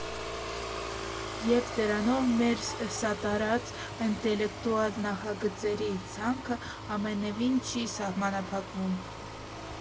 Եվ դրանով մեր սատարած ինտելեկտուալ նախագծերի ցանկը ամենևին չի սահմանափակվում։